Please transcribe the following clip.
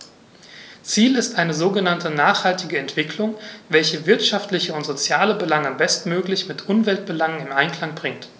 Ziel ist eine sogenannte nachhaltige Entwicklung, welche wirtschaftliche und soziale Belange bestmöglich mit Umweltbelangen in Einklang bringt.